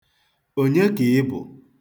Onye ka ị bụ?